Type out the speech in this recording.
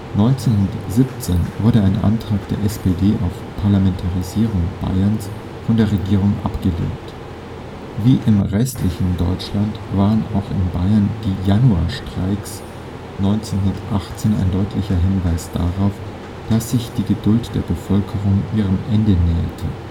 1917 wurde ein Antrag der SPD auf Parlamentarisierung Bayerns von der Regierung abgelehnt. Wie im restlichen Deutschland waren auch in Bayern die Januarstreiks 1918 ein deutlicher Hinweis darauf, dass sich die Geduld der Bevölkerung ihrem Ende näherte